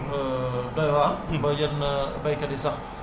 nii nawet bi demee nii ren wax nga ko sànq